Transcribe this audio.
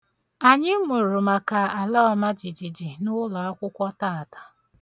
Anyị mụrụ maka alọọmajijiji n'ụlọakwụkwọ taata.